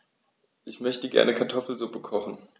Ich möchte gerne Kartoffelsuppe kochen.